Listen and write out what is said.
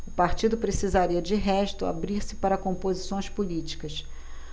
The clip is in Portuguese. o partido precisaria de resto abrir-se para composições políticas